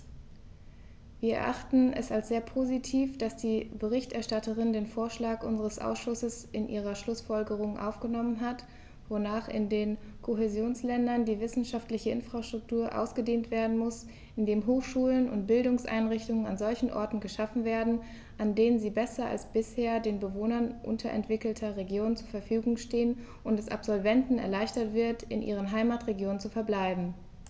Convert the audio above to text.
Wir erachten es als sehr positiv, dass die Berichterstatterin den Vorschlag unseres Ausschusses in ihre Schlußfolgerungen aufgenommen hat, wonach in den Kohäsionsländern die wissenschaftliche Infrastruktur ausgedehnt werden muss, indem Hochschulen und Bildungseinrichtungen an solchen Orten geschaffen werden, an denen sie besser als bisher den Bewohnern unterentwickelter Regionen zur Verfügung stehen, und es Absolventen erleichtert wird, in ihren Heimatregionen zu verbleiben.